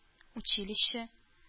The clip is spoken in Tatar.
Училище